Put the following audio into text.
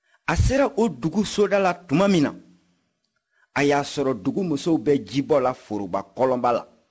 a sera o dugu soda la tuma min na a y'a sɔrɔ dugumusow bɛ jibɔ la foroba kɔlɔnba la